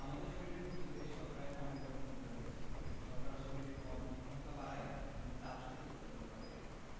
আমাদের শরীরের পুষ্টিতে শর্করার অনেক বড় ভূমিকা রয়েছে শর্করা শরীরের কর্মক্ষমতা বাড়ায় এবং তাপশক্তি উৎপাদন করে